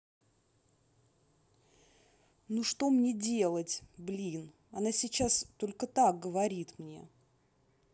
ну что мне делать блин она сейчас только так говорит мне